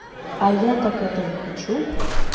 а я так этого хочу